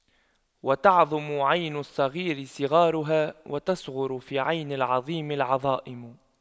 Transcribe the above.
وتعظم في عين الصغير صغارها وتصغر في عين العظيم العظائم